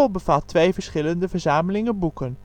bevat twee verschillende verzamelingen boeken